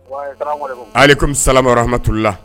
Ale kɔmimi salahaurula